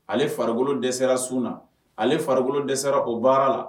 Ale farikolo dɛsɛla sun na, ale farikolo dɛsɛla o baara la